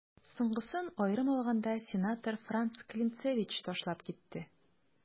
Соңгысын, аерым алганда, сенатор Франц Клинцевич ташлап китте.